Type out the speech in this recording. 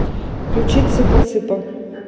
включи цыпа цыпа